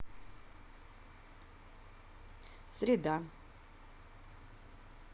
среда